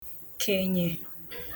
kènyè